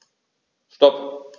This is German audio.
Stop.